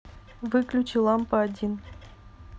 выключи лампа один